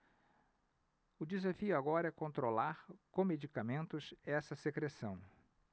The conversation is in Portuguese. o desafio agora é controlar com medicamentos essa secreção